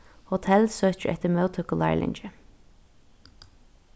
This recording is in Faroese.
hotell søkir eftir móttøkulærlingi